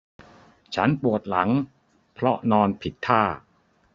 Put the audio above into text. ฉันปวดหลังเพราะนอนผิดท่า